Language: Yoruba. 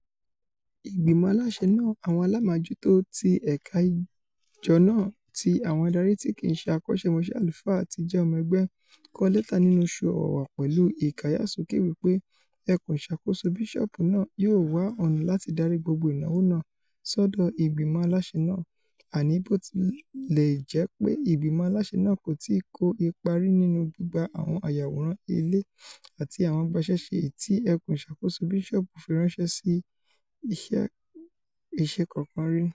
Ìgbìmọ̀ aláṣẹ naa - àwọn aláàmójútó ti ẹ̀ka ìjọ náà, tí àwọn adarí tí kìí ṣe akọ́ṣémọṣẹ́ àlùfáà ti jẹ́ ọmọ ẹgbẹ́ - kọ lẹ́tà nínú oṣù Ọ̀wàwà pẹ̀lú ìkáyàsókè wípé ẹkùn ìṣàkóso bisọọbu náà ''yóò wá ọ̀nà láti darí gbogbo ìnáwó náà'' s'ọdọ ìgbìmọ̀ aláṣẹ náà, àni botilẹjepe ìgbìmọ̀ aláṣẹ náà kò tíì kó ipa rí nínú gbígba àwọn ayaworan ilé àti àwọn agbaṣẹ́ṣe èyití ẹkùn ìṣàkóso bisọọbu fi ranṣẹ sí iṣẹ́ kankan rí.